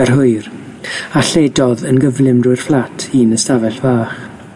yr hwyr, a lledodd yn gyflym drwy'r fflat un ystafell fach.